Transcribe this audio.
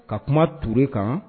Ka kuma te kan